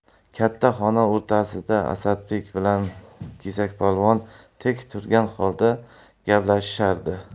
katta xona o'rtasida asadbek bilan kesakpolvon tik turgan holda gaplashishardi